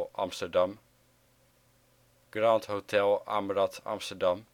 Amsterdam Grand Hotel Amrâth Amsterdam